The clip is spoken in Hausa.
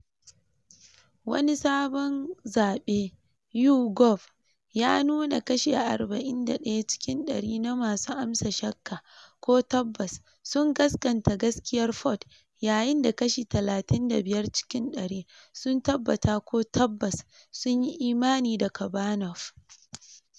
Wani sabon zabe YouGov ya nuna kashi 41 cikin dari na masu amsa shakka ko tabbas sun gaskanta gaskiyar Ford, yayin da kashi 35 cikin dari sun tabbata ko tabbas sunyi imani da Kavanaugh.